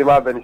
ye